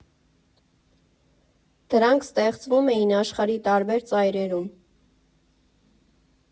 Դրանք ստեղծվում էին աշխարհի տարբեր ծայրերում։